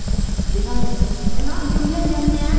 vậy thôi em nấu ăn chung với anh nhân nha